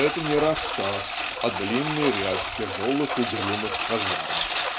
"это не рассказ, а длинный ряд тяжелых угрюмых казарм".